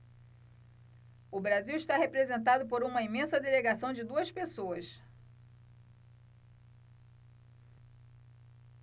o brasil está representado por uma imensa delegação de duas pessoas